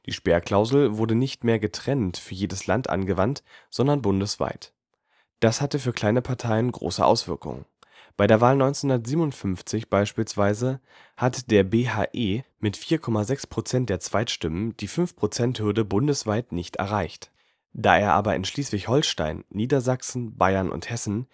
Sperrklausel wurde nicht mehr getrennt für jedes Land angewandt, sondern bundesweit. Das hatte für kleine Parteien große Auswirkungen. Bei der Wahl 1957 beispielsweise hat der BHE mit 4,6 Prozent der Zweitstimmen die Fünf-Prozent-Hürde bundesweit nicht erreicht. Da er aber in Schleswig-Holstein, Niedersachsen, Bayern und Hessen